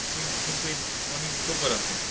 Ti'n ti'n dweud o'n i'n gwbod am hyn?